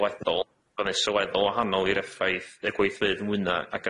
sylweddol byddai sylweddol wahanol i'r effaith y gweithfeydd mwyna a